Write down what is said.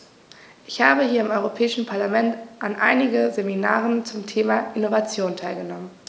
Ich habe hier im Europäischen Parlament an einigen Seminaren zum Thema "Innovation" teilgenommen.